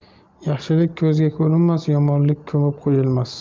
yaxshilik ko'zga ko'rinmas yomonlik ko'mib qo'yilmas